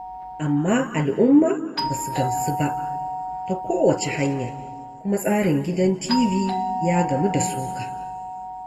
Amma al'umma ba su gamsu ba ta kowace hanya, kuma tsarin gidan TV ya gamu da suka.